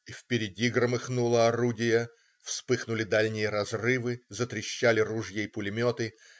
И впереди громыхнуло орудие, вспыхнули дальние разрывы, затрещали ружья и пулеметы.